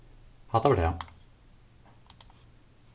hatta var tað